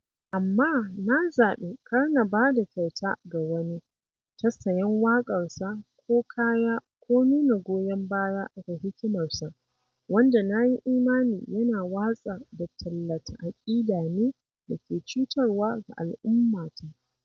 "Amma na zaɓi kar na ba da kyauta ga wani (ta sayan waƙarsa ko kaya ko nuna goyon baya ga "hikimarsa") wanda na yi imani yana watsa da tallata aƙida ne da ke cutarwa ga al'ummata.